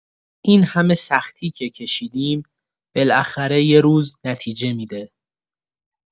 این همه سختی که کشیدیم، بالاخره یه روز نتیجه می‌ده.